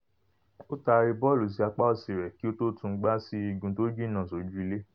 Ó taari bọ́ọ̀lù sí apá òsì rẹ̀ kí ó tó tun gbá sí igun tó jiǹnà sójú ilé.